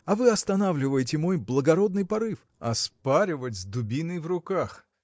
– а вы останавливаете мой благородный порыв. – Оспоривать с дубиной в руках!